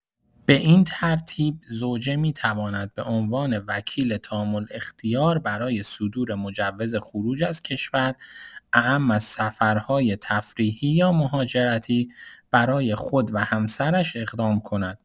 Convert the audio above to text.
به این ترتیب، زوجه می‌تواند به‌عنوان وکیل تام‌الاختیار برای صدور مجوز خروج از کشور، اعم از سفرهای تفریحی یا مهاجرتی، برای خود و همسرش اقدام کند.